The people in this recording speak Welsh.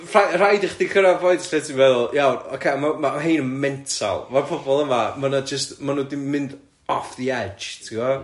rha- rhaid i chdi cyrraedd point lle ti'n meddwl iawn ocê ma' ma' ma' rhein yn mental ma'r pobol yma ma' 'na jyst ma' nhw 'di mynd off the edge ti'bod?